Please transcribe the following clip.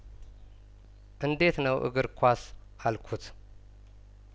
እንዴት ነው እግር ኳስ አልኩት